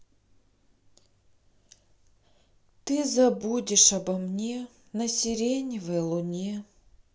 ты забудешь обо мне на сиреневой луне